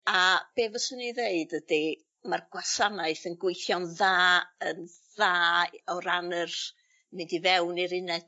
A be' fyswn i ddeud ydi ma'r gwasanaeth yn gweithio'n dda yn dda o ran yr mynd i fewn i'r uned